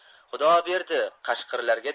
xudo berdi qashqirlarga